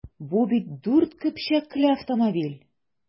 Бу бит дүрт көпчәкле автомобиль!